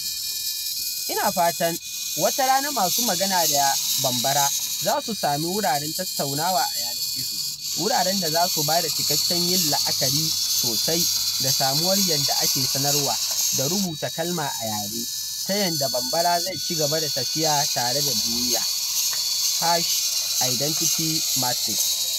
Ina fatan wata rana masu magana da Bambara za su sami wuraren tattaunawa a yanar gizo, wuraren da zasu bada cikakken yin la’akari sosai da samuwar yanda ake sanarwa da rubuta kalma a yare, ta yanda Bambara zai ci gaba da tafiya tare da duniya #identitymatrix